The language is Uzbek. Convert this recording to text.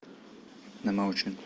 nima uchun